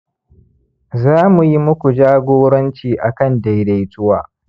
za mu yi muku jagoranci akan dai-daituwa